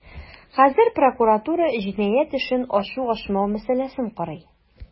Хәзер прокуратура җинаять эшен ачу-ачмау мәсьәләсен карый.